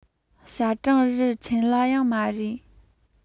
ཞ ཁྲེང རུ ཆེན ལ ཡོད མ རེད